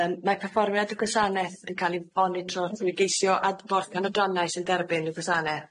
Yym mae perfformiad y gwasaneth yn ca'l imponu trw'r trwy geisio ad- fwrdd canadrannau sy'n derbyn y gwasanaeth.